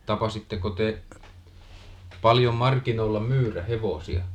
Tapasitteko te paljon markkinoilla myydä hevosia